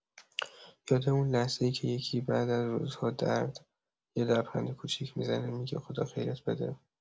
یاد اون لحظه‌ای که یکی بعد از روزها درد، یه لبخند کوچیک می‌زنه و می‌گه خدا خیرت بده.